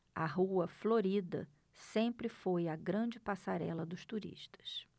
a rua florida sempre foi a grande passarela dos turistas